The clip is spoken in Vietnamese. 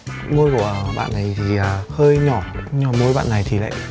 môi của bạn này thì hơi nhỏ nhưng mà môi bạn này thì lại